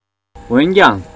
འོན ཀྱང